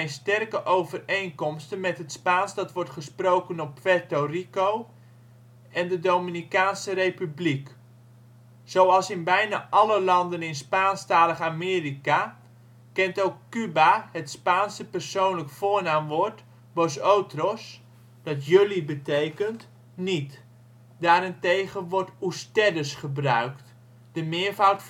sterke overeenkomsten met het Spaans dat wordt gesproken op Puerto Rico en de Dominicaanse Republiek. Zoals in bijna alle landen in Spaanstalig Amerika, kent ook Cuba het Spaanse persoonlijk voornaamwoord vosotros (jullie) niet, daarentegen wordt ustedes gebruikt (U meervoud